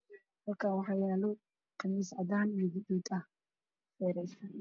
Halkan wxaa yalo qamis cadan io gadiid oo feereysan